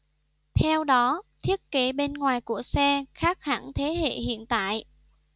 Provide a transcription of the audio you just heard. theo đó thiết kế bên ngoài của xe khác hẳn thế hệ hiện tại